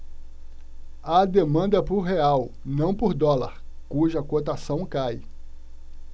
há demanda por real não por dólar cuja cotação cai